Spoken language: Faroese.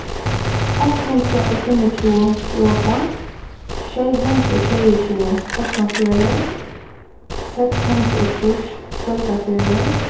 átta hundrað og fimmogtjúgu froðba sjey hundrað og sjeyogtjúgu árnafjørður seks hundrað og trýss søldarfjørður